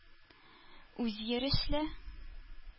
Үзйөрешле